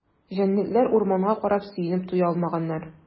Җәнлекләр урманга карап сөенеп туя алмаганнар.